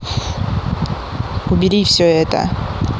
убери все это